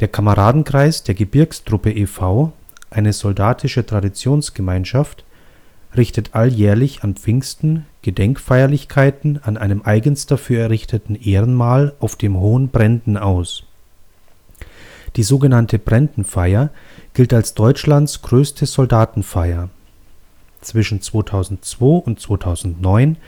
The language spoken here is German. Kameradenkreis der Gebirgstruppe e.V. “, eine soldatische Traditionsgemeinschaft, richtet alljährlich an Pfingsten Gedenkfeierlichkeiten an einem eigens dafür errichteten Ehrenmal auf dem Hohen Brendten aus. Die so genannte Brendtenfeier gilt als Deutschlands größte Soldatenfeier. Zwischen 2002 und 2009